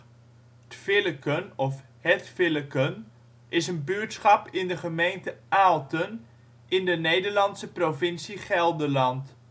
Villeken of Het Villeken is een buurtschap in de gemeente Aalten in de Nederlandse provincie Gelderland